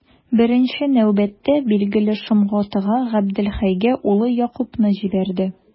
Беренче нәүбәттә, билгеле, Шомгатыга, Габделхәйгә улы Якубны җибәрде.